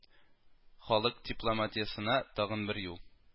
Халык дипломатиясенә тагын бер юл